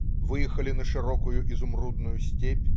Выехали в широкую, изумрудную степь.